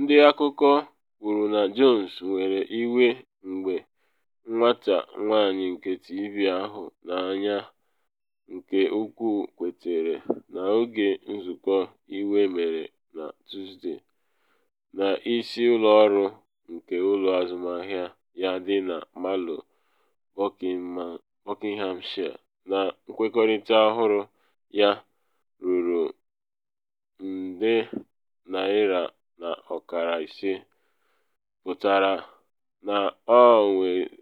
Ndị akụkọ kwuru na Jones were ‘iwe’ mgbe nwata nwanyị nke TV ahụrụ n’anya nke ukwuu kwetere n’oge nzụkọ iwe emere na Tuesday n’isi ụlọ ọrụ nke ụlọ azụmahịa ya dị na Marlow, Buckinghamshire, na nkwekọrịta ọhụrụ ya - ruru £1.5 million - pụtara na ọ